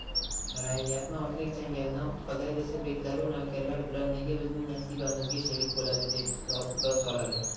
raiyyatni ochlik changalidan qutqazay desa beklaru navkarlar bular nega bizning nasibamizga sherik bo'ladi deb dod soladi